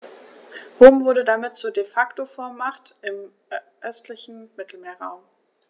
Rom wurde damit zur ‚De-Facto-Vormacht‘ im östlichen Mittelmeerraum.